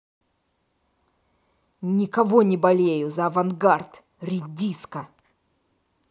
никого не болею за авангард редисска